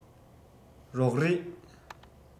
རོགས རེས